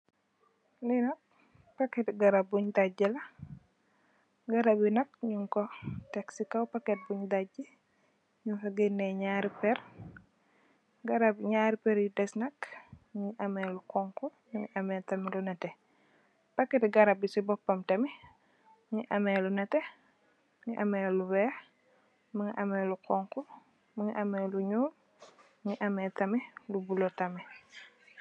Lii nak paketi garab bu daagi la, garab yi nak nyun ko teg si kaw paket bunj daagi, nyun fa gene nyaari per, garab, nyaari per yu des nak, mingi ame lu xonxu, ame tamit yu nete, payeti garab bi si bopam tamit, mingi ame lu nete, mingi ame lu weex, mingi ame lu xonxu, mingi ame lu nyuul, mingi ame tamit lu bula tamit.